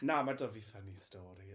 Na, mae 'da fi ffyni stori.